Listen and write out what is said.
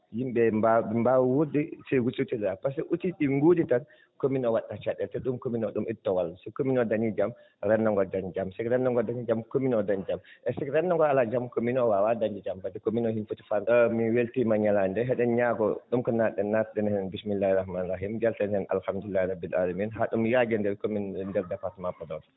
yimɓe ɓee mbawa mbaawa wuurde * par ce que aussi ɗi ngoodii tan commune o waɗat caɗeele te ɗum commune o ittoo wallude so commune o dañii jam renndo ngoo daña jam so renndo ngoo dañii jam commune o daña jam e so renndo ngoo alaa jam commune o waawa dañde jam par ce que commune o no foti faamde % e mi weltiima e ñalaande ndee heɗen ñaagoo ɗum ko natɗen naatiren heen bissimillahi arhman arahimi njalten heen alhamdulilahi rabbil alamina haa ɗum yaaja e ndeer commune e ndeer département de Podor